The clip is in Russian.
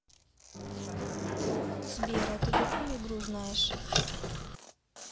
сбер а ты какую игру знаешь